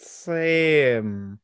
Same.